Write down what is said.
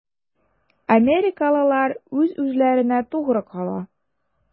Америкалылар үз-үзләренә тугры кала.